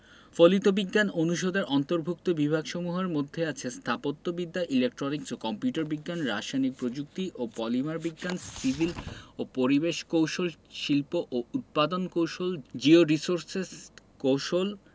ফলিত বিজ্ঞান অনুষদের অন্তর্ভুক্ত বিভাগসমূহের মধ্যে আছে স্থাপত্যবিদ্যা ইলেকট্রনিক্স ও কম্পিউটার বিজ্ঞান রাসায়নিক প্রযুক্তি ও পলিমার বিজ্ঞান সিভিল ও পরিবেশ কৌশল শিল্প ও উৎপাদন কৌশল জিওরির্সোসেস কৌশল